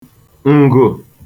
ǹgụ̀